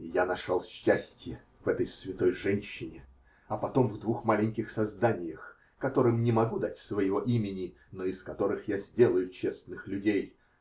-- И я нашел счастье в этой святой женщине, а потом в двух маленьких созданиях, которым не могу дать своего имени, но из которых я сделаю честных людей.